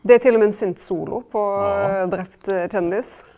det er t.o.m. ein syntsolo på Drept Kjendis.